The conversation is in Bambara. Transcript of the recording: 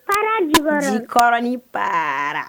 Faraji niɔrɔnɔni para